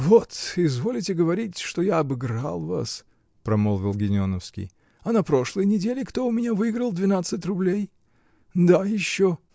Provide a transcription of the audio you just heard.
-- Вы изволите говорить, что я обыграл вас, -- промолвил Гедеоновский, -- а на прошлой неделе кто у меня выиграл двенадцать рублей? да еще.